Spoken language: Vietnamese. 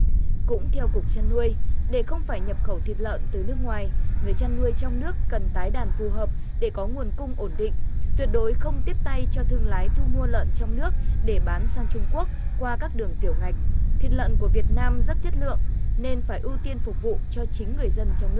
cũng theo cục chăn nuôi để không phải nhập khẩu thịt lợn từ nước ngoài người chăn nuôi trong nước cần tái đàn phù hợp để có nguồn cung ổn định tuyệt đối không tiếp tay cho thương lái thu mua lợn trong nước để bán sang trung quốc qua các đường tiểu ngạch thịt lợn của việt nam rất chất lượng nên phải ưu tiên phục vụ cho chính người dân trong